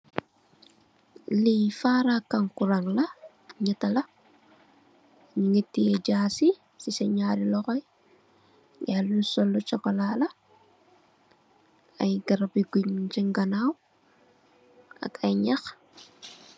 Li fara kankuran la, ñetta la, mugii teyeh jààsi ci ñaari loxo yi, ngayi lin sol lu sokola la ay garabi guy ñu ngi sèèn ganaw ak ay ñax.